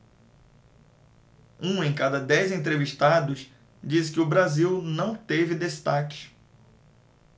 um em cada dez entrevistados disse que o brasil não teve destaques